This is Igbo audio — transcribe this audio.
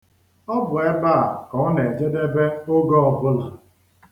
Ọ bụ ebe a ka o na-ejedebe oge ọbụla.